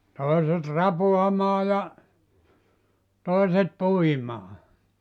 toiset rapaamaan ja toiset puimaan